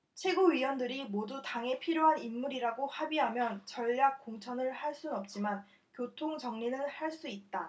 최고위원들이 모두 당에 필요한 인물이라고 합의하면 전략공천을 할 순 없지만 교통정리는 할 수 있다